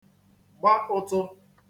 gba ụtụ